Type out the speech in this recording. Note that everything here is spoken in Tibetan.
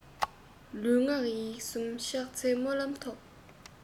ལུས ངག ཡིད གསུམ ཕྱག འཚལ སྨོན ལམ ཐོབ